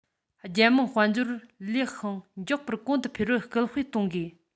རྒྱལ དམངས དཔལ འབྱོར ལེགས ཤིང མགྱོགས པར གོང དུ འཕེལ བར སྐུལ སྤེལ གཏོང དགོས